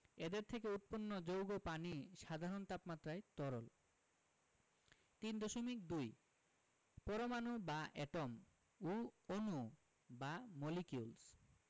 এদের থেকে উৎপন্ন যৌগ পানি সাধারণ তাপমাত্রায় তরল 3.2 পরমাণু বা এটম ও অণু বা মলিকিউলস